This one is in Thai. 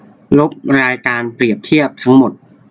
ลบรายการเปรียบเทียบทั้งหมด